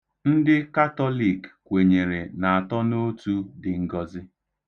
Ndị Katọlik kwenyere n'atọnootu dị ngọzi.